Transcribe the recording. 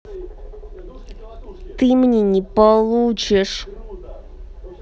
ты мне не получишь